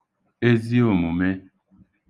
eziòmùmē